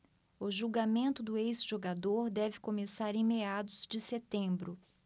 o julgamento do ex-jogador deve começar em meados de setembro